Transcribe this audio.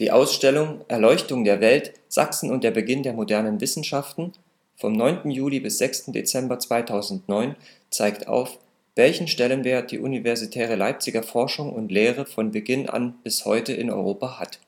Ausstellung " Erleuchtung der Welt. Sachsen und der Beginn der modernen Wissenschaften " vom 9. Juli bis 6. Dezember 2009 zeigt auf, welchen Stellenwert die universitäre Leipziger Forschung und Lehre von Beginn an bis heute in Europa hat